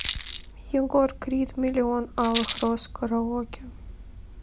егор крид миллион алых роз караоке